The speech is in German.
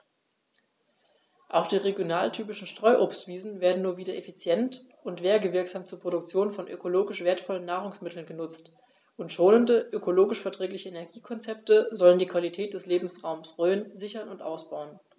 Auch die regionaltypischen Streuobstwiesen werden nun wieder effizient und werbewirksam zur Produktion von ökologisch wertvollen Nahrungsmitteln genutzt, und schonende, ökologisch verträgliche Energiekonzepte sollen die Qualität des Lebensraumes Rhön sichern und ausbauen.